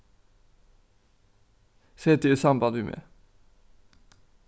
set teg í samband við meg